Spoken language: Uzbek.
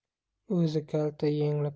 o'zi kalta yengli